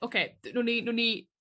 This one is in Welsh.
...ocê d- nwn ni nwn ni...